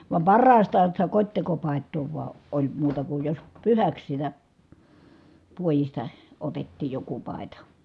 vaan parhaastaan sitä kotitekopaitaa vain oli muuta kuin jos pyhäksi sitä puodista otettiin joku paita